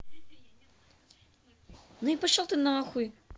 ну и пошел ты нахуй